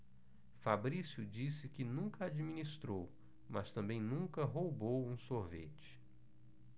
fabrício disse que nunca administrou mas também nunca roubou um sorvete